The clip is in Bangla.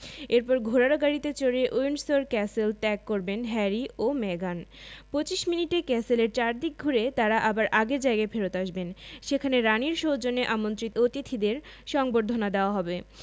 এরপর ঘোড়ার গাড়িতে চড়ে উইন্ডসর ক্যাসেল ত্যাগ করবেন হ্যারি ও মেগান ২৫ মিনিটে ক্যাসেলের চারদিক ঘুরে তাঁরা আবার আগের জায়গায় ফেরত আসবেন সেখানে রানির সৌজন্যে আমন্ত্রিত অতিথিদের সংবর্ধনা দেওয়া হবে